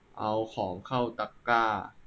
เอาของเข้าตะกร้า